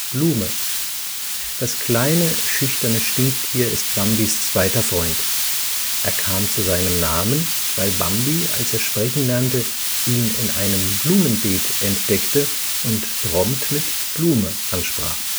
Blume (Flower) Das kleine, schüchterne Stinktier ist Bambis zweiter Freund. Er kam zu seinem Namen, weil Bambi, als er sprechen lernte, ihn in einem Blumenbeet entdeckte und prompt mit „ Blume “ansprach